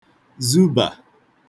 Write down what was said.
zubà